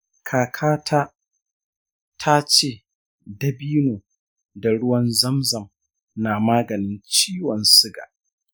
kakata ta ce dabino da ruwan zamzam na maganin ciwon suga.